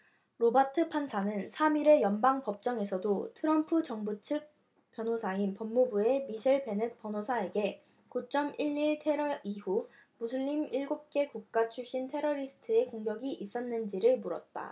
로바트 판사는 삼 일의 연방법정에서도 트럼프 정부쪽 변호사인 법무부의 미셀 베넷 변호사에게 구 쩜 일 일 테러 이후 무슬림 일곱 개국가 출신 테러리스트의 공격이 있었는지를 물었다